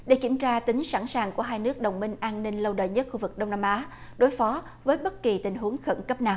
để kiểm tra tính sẵn sàng của hai nước đồng minh an ninh lâu đời nhất khu vực đông nam á đối phó với bất kỳ tình huống khẩn cấp nào